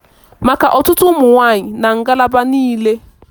Maka ọtụtụ ụmụnwaanyị na ngalaba niile.